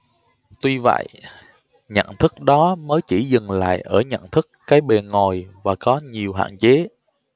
tuy vậy nhận thức đó mới chỉ dừng lại ở nhận thức cái bề ngoài và có nhiều hạn chế